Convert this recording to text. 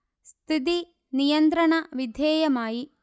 സ്ഥിതി നിയന്ത്രണ വിധേയമായി